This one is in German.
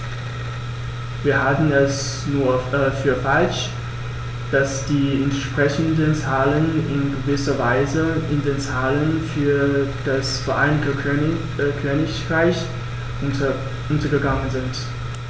Wir halten es für falsch, dass die entsprechenden Zahlen in gewisser Weise in den Zahlen für das Vereinigte Königreich untergegangen sind.